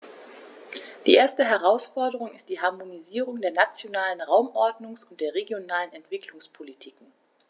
Die erste Herausforderung ist die Harmonisierung der nationalen Raumordnungs- und der regionalen Entwicklungspolitiken.